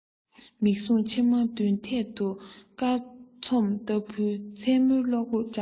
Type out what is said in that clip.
མིག ཟུང ཕྱེ ཚེ མདུན ཐད དུ སྐར ཚོམ ལྟ བུའི མཚན མོའི གློག འོད བཀྲ ལ